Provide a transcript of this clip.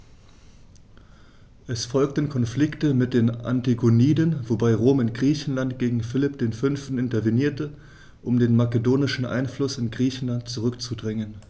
Es folgten Konflikte mit den Antigoniden, wobei Rom in Griechenland gegen Philipp V. intervenierte, um den makedonischen Einfluss in Griechenland zurückzudrängen.